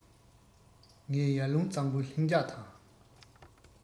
ངས ཡར ཀླུང གཙང པོའི ལྷིང འཇགས དང